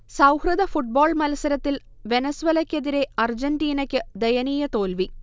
സൗഹൃദ ഫുട്ബോൾ മത്സരത്തിൽ വെനസ്വലക്കെതിരെ അർജന്റീനക്ക് ദയനീയ തോൽവി